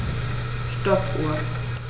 Stoppuhr.